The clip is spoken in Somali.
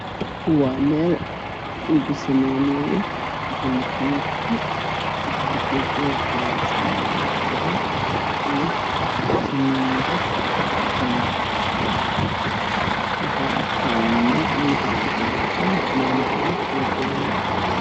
Meeshaan waxaa lagu sameynayaa buloketi midabkiisi yahay madow waxaa taagan nin wata fannaanad cagaar madow meeshana waxaa yaalo bulkeeti fara badan